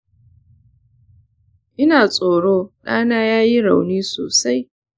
ina tsoro dana ya yi rauni sosai.